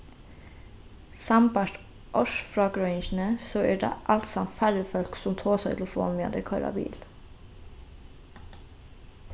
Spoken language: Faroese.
sambært ársfrágreiðingini so eru tað alsamt færri fólk sum tosa í telefon meðan tey koyra bil